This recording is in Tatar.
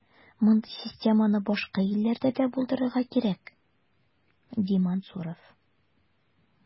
Мондый системаны башка илләрдә дә булдырырга кирәк, ди Мансуров.